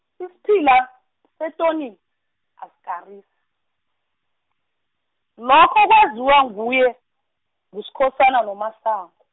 isiphila , setonini, asikarisi. lokho kwaziwa nguye, nguSkhosana noMasango.